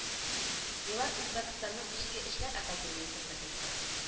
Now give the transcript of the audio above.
Еллар үзбәкстанның эчке эшләр академиясе профессоры